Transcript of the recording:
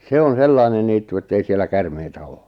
se on sellainen niitty että ei siellä käärmeitä ole